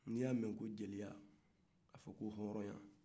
ni y'a mɛ ko jeliya a fɔ ko hɔronya